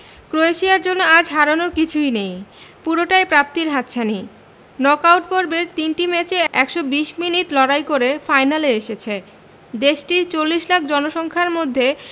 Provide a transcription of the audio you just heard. ক্রোয়েশিয়ার জন্য আজ হারানোর কিছু নেই পুরোটাই প্রাপ্তির হাতছানি নক আউট পর্বের তিনটি ম্যাচে ১২০ মিনিট লড়াই করে ফাইনালে এসেছে দেশটির ৪০ লাখ জনসংখ্যার মধ্যে